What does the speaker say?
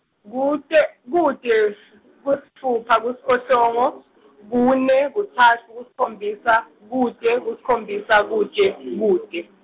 kute, kute s-, kusitfupha, ku siphohlongo, kune, kutsatfu, kusikhombisa, kute, kusikhombisa, kute, kute.